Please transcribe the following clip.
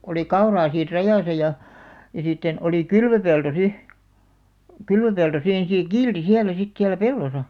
oli kauraa siinä rajassa ja ja sitten oli kylvöpelto sitten kylvöpelto siinä se kiilsi siellä sitten siellä pellossa